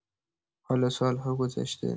حالا سال‌ها گذشته.